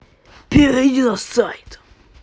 перейди на сайт